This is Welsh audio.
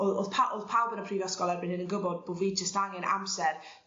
o- o'dd pa- o'dd pawb yn y prifysgol erbyn hyn yn gwbod bo' fi jyst angen amser